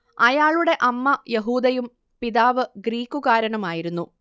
അയാളുടെ അമ്മ യഹൂദയും പിതാവ് ഗ്രീക്കുകാരനും ആയിരുന്നു